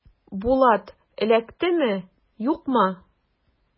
Булат эләктеме, юкмы?